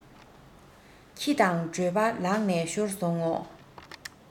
ཁྱི དང གྲོད པ ལག ནས ཤོར སོང ངོ